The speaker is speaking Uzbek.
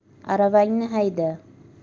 aravangni hayda